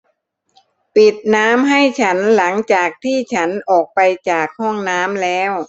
ปิดน้ำให้ฉันหลังจากที่ฉันออกไปจากห้องน้ำแล้ว